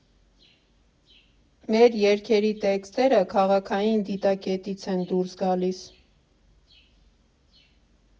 Մեր երգերի տեքստերը քաղաքային դիտակետից են դուրս գալիս։